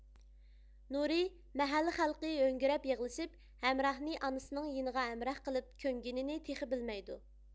نۇرى مەھەللە خەلقى ھۆڭگىرەپ يىغلىشىپ ھەمرانى ئانىسىنىڭ يېنىغا ھەمراھ قىلىپ كۆمگىنىنى تېخى بىلمەيدۇ